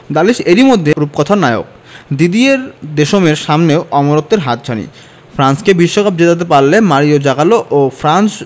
Dalic এরই মধ্যে রূপকথার নায়ক দিদিয়ের দেশমের সামনেও অমরত্বের হাতছানি ফ্রান্সকে বিশ্বকাপ জেতাতে পারলে মারিও জাগালো ও ফ্রাঞ্জ